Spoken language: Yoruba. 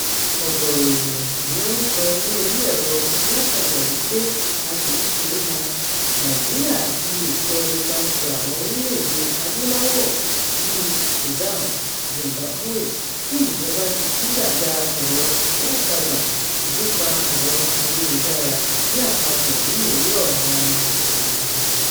Ọ̀gọ̀rọ̀ ènìyàn ni ó sọ ní orí ẹ̀rọ-alátagbà wípé a kì í ṣe é mọ̀, Nàìjíríà lè tọ ipa ẹsẹ̀ àwọn orílẹ̀-èdè Adúláwọ̀ [bíi Sudan, Zimbabwe] tí ìjọba ti dígàgá ẹ̀rọ-alátagbà tàbí pa ẹ̀rọ-ayélujára ní àpapọ̀ ní ìrí ọ̀ràn ààbò.